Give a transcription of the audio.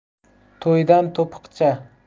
to'ydan to'piqcha